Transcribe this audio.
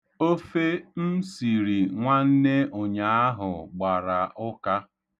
Ofe m siri nwanne ụnyaahụ gbara ụka.